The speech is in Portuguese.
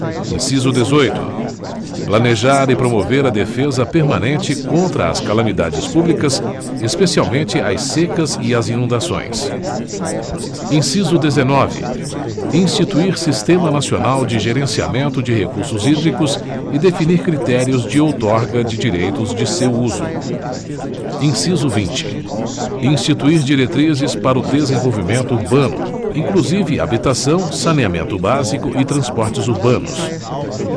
inciso dezoito planejar e promover a defesa permanente contra as calamidades públicas especialmente as secas e as inundações inciso dezenove instituir sistema nacional de gerenciamento de recursos hídricos e definir critérios de outorga de direitos de seu uso inciso vinte instituir diretrizes para o desenvolvimento urbano inclusive habitação saneamento básico e transportes urbanos